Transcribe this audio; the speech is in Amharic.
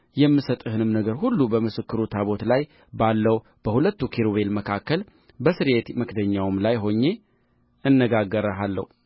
የምሰጥህን ነገር ሁሉ በምስክሩ ታቦት ላይ ባለው በሁለት ኪሩቤል መካከል በስርየት መክደኛውም ላይ ሆኜ እነጋገርሃለሁ